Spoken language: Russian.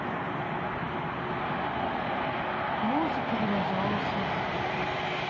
музыка для взрослых